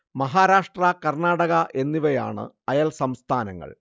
മഹാരാഷ്ട്ര കർണ്ണാടക എന്നിവയാണ് അയൽ സംസ്ഥാനങ്ങൾ